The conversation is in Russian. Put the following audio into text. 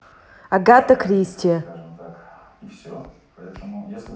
агата кристи